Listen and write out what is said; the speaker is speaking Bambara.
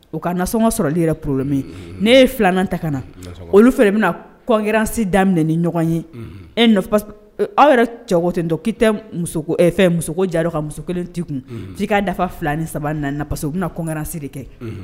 U ka nasɔn ka sɔrɔ i yɛrɛ pmɛ n ye filan ta ka na olu fɛ i bɛna kɔnkransi daminɛ ni ɲɔgɔn ye e aw yɛrɛ cɛ tɛtɔ k'i tɛ muso fɛ muso ka muso kelen tɛ kun k'i ka dafa fila ni saba nana parce i bɛna kɔnkransi de kɛ